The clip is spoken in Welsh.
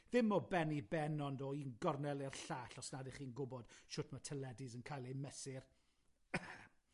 ddim o ben i ben ond o un gornel i'r llall, os nad 'ych chi'n gwbod shwd ma' teledus yn ca'l eu mesur,